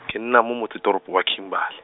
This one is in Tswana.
ke nna mo motse toropo wa Kimberley.